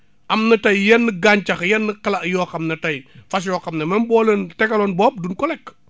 am na tey yenn gàncax yenn xalaat yoo xam ne tey fas yoo xam ne même boo leen tegaloon boobu dun ko lekk